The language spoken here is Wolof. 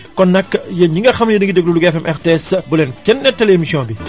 kon nag yéen ñi nga xam ne da ngeen i déglu Louga FM RTS bu leen kenn netali émission bi